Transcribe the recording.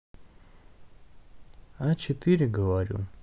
а четыре говорю